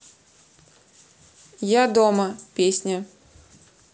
я дома песня